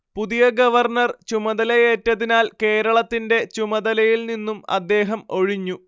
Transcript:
പുതിയ ഗവർണ്ണർ ചുമതലയേറ്റതിനാൽ കേരളത്തിന്റെ ചുമതലയിൽനിന്നും അദ്ദേഹം ഒഴിഞ്ഞു